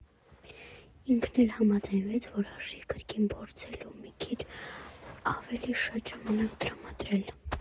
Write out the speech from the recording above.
Ինքն էլ համաձայնվեց, որ արժի կրկին փորձել ու մի քիչ ավելի շատ ժամանակ տրամադրել։